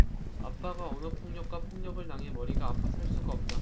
아빠가 언어폭력과 폭력을 당해 머리가 아파 살 수가 없다